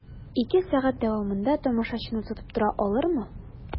Ике сәгать дәвамында тамашачыны тотып тора алырмы?